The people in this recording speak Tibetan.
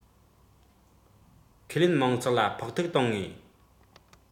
ཁས ལེན དམངས ཚོགས ལ ཕོག ཐུག གཏོང ངེས